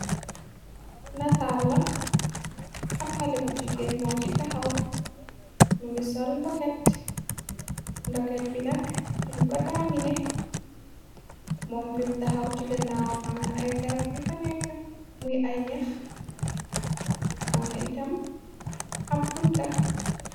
Nataal la ab xale bu jigeen moo ci taxaw mu ngi sol ndkndoket bi nak dañ ko daamine moom fim taxaw ci ganaawam amna ay garab yu fa nekk muy ay ñax amna itam ab bunta.